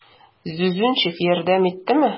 Зюзюнчик, ярдәм итимме?